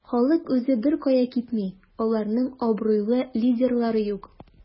Халык үзе беркая китми, аларның абруйлы лидерлары юк.